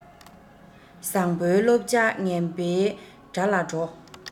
བཟང པོའི བསླབ བྱ ངན པའི དགྲ ལ འགྲོ